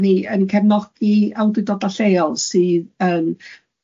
a dan ni yn cefnogi awdurdodau lleol sydd yn